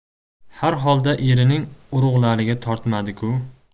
har holda erining urug'lariga tortmadi ku